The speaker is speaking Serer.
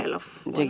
calel of wala